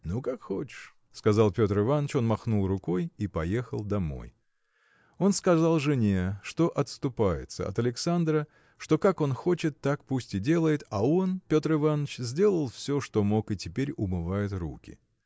– Ну, как хочешь, – сказал Петр Иваныч. Он махнул рукой и поехал домой. Он сказал жене что отступается от Александра что как он хочет так пусть и делает а он Петр Иваныч сделал все что мог и теперь умывает руки.